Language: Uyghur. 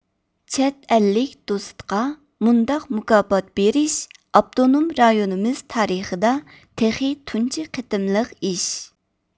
چەت ئەللىك دوستقا مۇنداق مۇكاپات بېرىش ئاپتونوم رايونىمىز تارىخىدا تېخى تۇنجى قېتىملىق ئىش